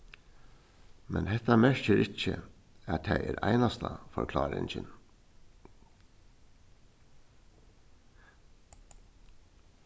men hetta merkir ikki at tað er einasta forkláringin